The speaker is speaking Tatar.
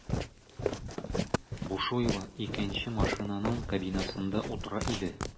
Бушуева икенче машинаның кабинасында утыра иде.